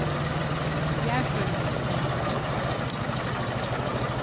fjarstýringin er nýggj